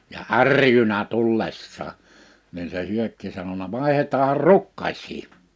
ja ärjynyt tullessaan niin se Hyökki sanonut vaihdetaan rukkasia